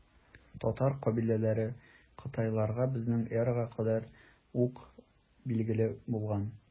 Татар кабиләләре кытайларга безнең эрага кадәр үк билгеле булган.